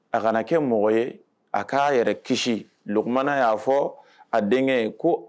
A kana kɛ mɔgɔ ye a k'a yɛrɛ kisikumana y'a fɔ a denkɛ ko